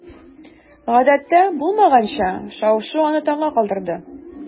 Гадәттә булмаганча шау-шу аны таңга калдырды.